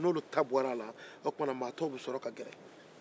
ni olu ta bɔla a la o tuma mɔgɔ tɔw bɛ sɔrɔ ka gɛrɛ